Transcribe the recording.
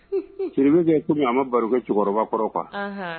Sirikɛ tugun a ma baroke cɛkɔrɔbakɔrɔ kan